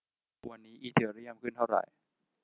วันนี้อีเธอเรียมขึ้นเท่าไหร่